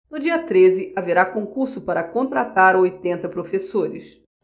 no dia treze haverá concurso para contratar oitenta professores